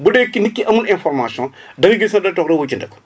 bu dee nit ki amul information da ngay gis ne day toog rek ***